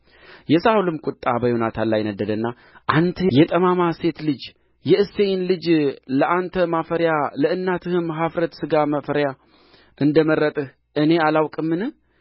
የሳኦልም ቍጣ በዮናታን ላይ ነደደና አንተ የጠማማ ሴት ልጅ የእሴይን ልጅ ለአንተ ማፈርያ ለእናትህም ኀፍረተ ሥጋ ማፈርያ እንደ መረጥህ እኔ አላውቅምን